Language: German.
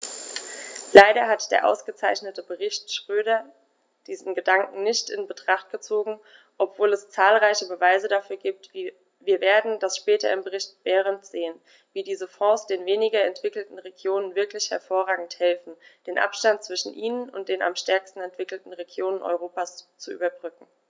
Leider hat der ausgezeichnete Bericht Schroedter diesen Gedanken nicht in Betracht gezogen, obwohl es zahlreiche Beweise dafür gibt - wir werden das später im Bericht Berend sehen -, wie diese Fonds den weniger entwickelten Regionen wirklich hervorragend helfen, den Abstand zwischen ihnen und den am stärksten entwickelten Regionen Europas zu überbrücken.